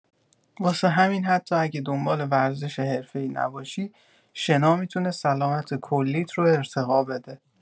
واسه همین حتی اگه دنبال ورزش حرفه‌ای نباشی، شنا می‌تونه سلامت کلیت رو ارتقا بده.